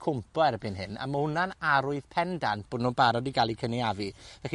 cwmpo erbyn hyn, a ma' wnna'n arwydd pendant bo' nw'n barod i ga'l 'u cynaeafu. Felly,